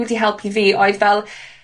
wedi helpu fi oedd fel,